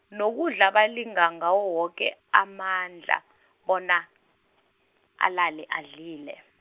nokudla balinga ngawo woke amandla bona, alale adlile.